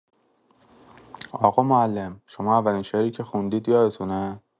آقا معلم، شما اولین شعری که خوندید یادتونه؟